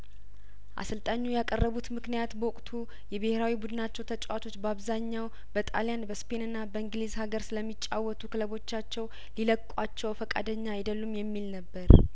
አሰልጣኙ ያቀረቡትምክንያት በወቅቱ የብሄራዊ ቡድ ናቸው ተጫዋቾች በአብዛኛው በጣልያን በስፔንና በእንግሊዝ ሀገር ስለሚጫወቱ ክለቦቻቸው ሊለቋቸው ፍቃደኛ አይደሉም የሚል ነበር